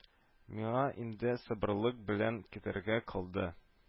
Миңа инде сабырлык белән көтәргә калды